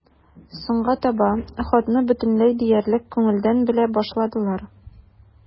Соңга таба хатны бөтенләй диярлек күңелдән белә башладылар.